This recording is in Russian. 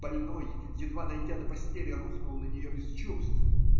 Большой, едва дойдя до постели, рухнул на нее без чувств.